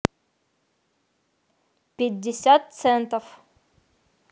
пятьдесят центов